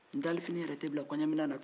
dalifini yɛrɛ tɛ bila kɔɲɔminan na tuguni